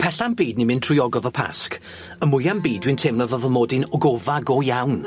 Pella'n byd ni'n mynd trwy Ogof y Pasg y mwya'm byd dwi'n teimlo fel fy mod i'n ogofa go iawn.